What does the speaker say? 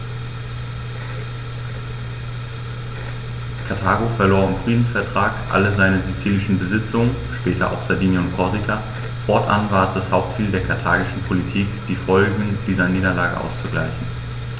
Karthago verlor im Friedensvertrag alle seine sizilischen Besitzungen (später auch Sardinien und Korsika); fortan war es das Hauptziel der karthagischen Politik, die Folgen dieser Niederlage auszugleichen.